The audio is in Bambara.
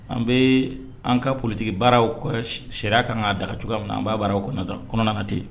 An bee an ka politique baaraw ko ɛs charia kaan k'a daga cogoya min na an b'a baara kɔnɔna kɔnɔnana ten